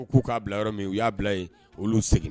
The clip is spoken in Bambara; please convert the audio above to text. U k' k'a bila yɔrɔ min u y'a bila yen olu sigi